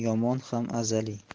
yomon ham azaliy